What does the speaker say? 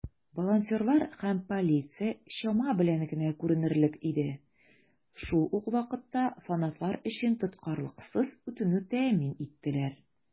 Волонтерлар һәм полиция чама белән генә күренерлек иде, шул ук вакытта фанатлар өчен тоткарлыксыз үтүне тәэмин иттеләр.